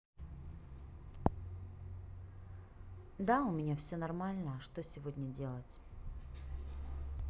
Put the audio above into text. да у меня все нормально что сегодня делать